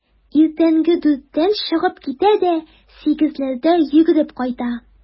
Иртәнге дүрттән чыгып китә дә сигезләрдә йөгереп кайта.